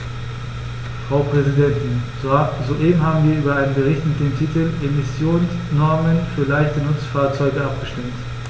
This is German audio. Frau Präsidentin, soeben haben wir über einen Bericht mit dem Titel "Emissionsnormen für leichte Nutzfahrzeuge" abgestimmt.